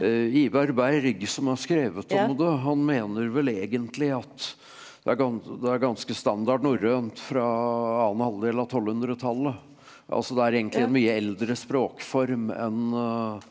Ivar Berg som har skrevet om det han mener vel egentlig at det er det er ganske standard norrønt fra annen halvdel av tolvhundretallet, altså det er egentlig en mye eldre språkform enn .